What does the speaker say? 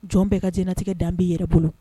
Jɔn bɛɛ ka diɲɛnatigɛ dan b'i yɛrɛ bolo